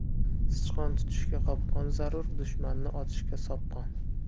sichqon tutishga qopqon zarur dushmanni otishga sopqon